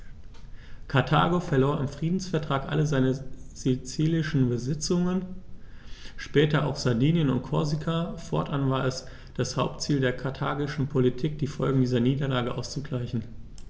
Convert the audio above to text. Karthago verlor im Friedensvertrag alle seine sizilischen Besitzungen (später auch Sardinien und Korsika); fortan war es das Hauptziel der karthagischen Politik, die Folgen dieser Niederlage auszugleichen.